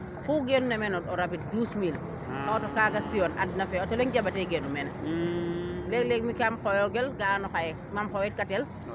Oxuu geenu na meen o rabid douze mille audio faaga siw adna fee auto o leŋ jamba te geenu meen leeg leeg kam xoyogel ga'aano xaye mam xoyit ka tel